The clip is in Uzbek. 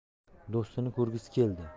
do'stini ko'rgisi keldi